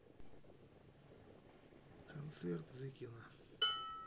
концерт зыкина